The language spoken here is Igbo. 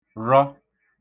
rọ